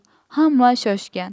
hamma shoshgan